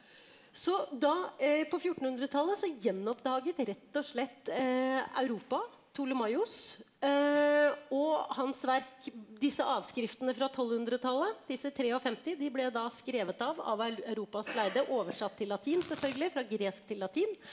så da på fjortenhundretallet så gjenoppdaget rett og slett Europa Ptolemaios og hans verk disse avskriftene fra tolvhundretallet disse 53 de ble da skrevet av av Europas lærde oversatt til latin selvfølgelig fra gresk til latin.